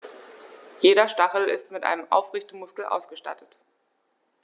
Jeder Stachel ist mit einem Aufrichtemuskel ausgestattet.